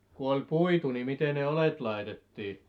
kun oli puitu niin miten ne oljet laitettiin